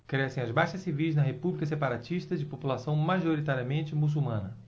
crescem as baixas civis na república separatista de população majoritariamente muçulmana